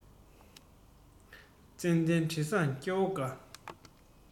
ཙན དན དྲི བཟང སྐྱེ བོ དགའ